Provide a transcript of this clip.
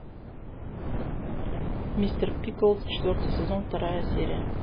мистер пиклз четвертый сезон вторая серия